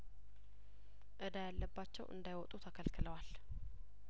እዳ ያለባቸው እንዳይወጡ ተከልክለዋል